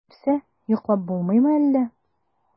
Нәрсә, йоклап булмыймы әллә?